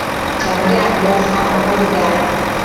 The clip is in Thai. ฉันอยากดูข่าวพระบิดา